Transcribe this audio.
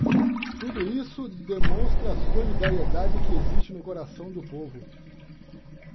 tudo isso demonstra a solidariedade que existe no coração do povo